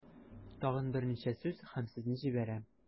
Тагын берничә сүз һәм сезне җибәрәм.